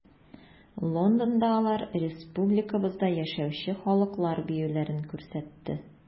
Лондонда алар республикабызда яшәүче халыклар биюләрен күрсәтте.